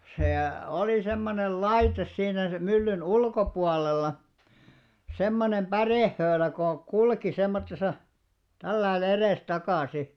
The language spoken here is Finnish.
se oli semmoinen laite siinä sen myllyn ulkopuolella semmoinen pärehöylä kun kulki semmoisessa tällä lailla edestakaisin